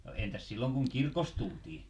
no entäs silloin kun kirkosta tultiin